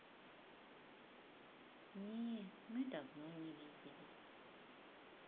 не давно мы не виделись